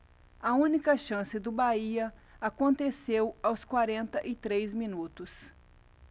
a única chance do bahia aconteceu aos quarenta e três minutos